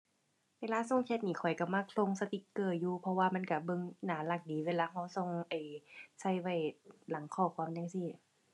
เวลาส่งแชตนี่ข้อยก็มักส่งสติกเกอร์อยู่ เพราะว่ามันก็เบิ่งน่ารักดีเวลาก็ส่ง ไอ้ ใส่ไว้หลังข้อความจั่งซี้